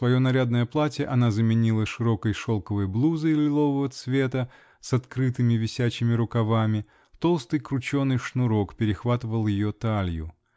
Свое нарядное платье она заменила широкой шелковой блузой лилового цвета с открытыми висячими рукавами толстый крученый шнурок перехватывал ее талью.